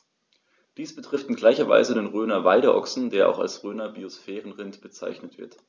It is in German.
Dies betrifft in gleicher Weise den Rhöner Weideochsen, der auch als Rhöner Biosphärenrind bezeichnet wird.